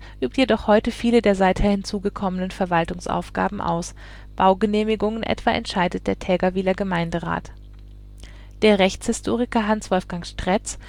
hinzugekommenen Verwaltungsaufgaben aus. Baugenehmigungen etwa entscheidet der Tägerwiler Gemeinderat. Der Rechtshistoriker Hans-Wolfgang Strätz